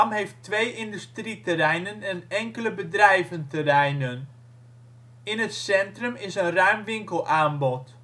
heeft twee industrieterreinen en enkele bedrijventerreinen. In het centrum is een ruim winkelaanbod